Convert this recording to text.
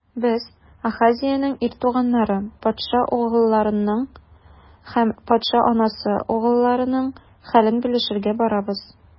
Без - Ахазеянең ир туганнары, патша угылларының һәм патша анасы угылларының хәлен белешергә барабыз.